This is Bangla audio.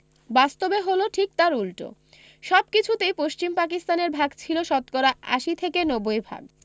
বাস্তবে হলো ঠিক তার উলটো সবকিছুতেই পশ্চিম পাকিস্তানের ভাগ ছিল শতকরা ৮০ থেকে ৯০ ভাগ